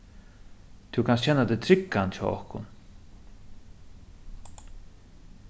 tú kanst kenna teg tryggan hjá okkum